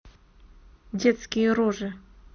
детские рожи